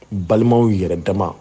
Balimaw yɛrɛ dama